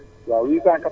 76